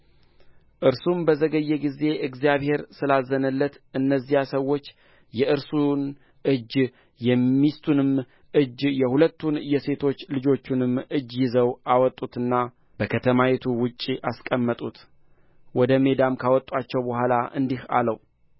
እርሱም በዘገየ ጊዜ እግዚአብሔር ስላዘነለት እነዚያ ሰዎች የእርሱን እጅ የሚስቱንም እጅ የሁለቱን የሴቶች ልጆቹንም እጅ ይዘው አወጡትና በከተማይቱ ውጭ አስቀመጡት ወደ ሜዳም ካወጡአቸው በኋላ እንዲህ አለው